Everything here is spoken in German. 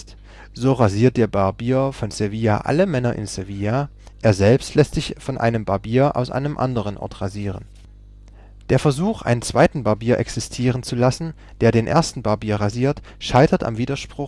rasiert der Barbier von Sevilla alle Männer in Sevilla, er selbst lässt sich von einem Barbier aus einem anderen Ort rasieren. Der Versuch, einen zweiten Barbier existieren zu lassen, der den ersten Barbier rasiert, scheitert am Widerspruch